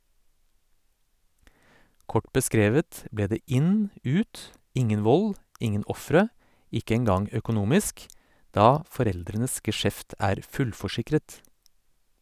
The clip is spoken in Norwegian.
Kort beskrevet ble det inn, ut, ingen vold, ingen ofre, ikke engang økonomisk, da foreldrenes geskjeft er fullforsikret.